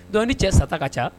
Dɔnkuc ni cɛ sata ka ca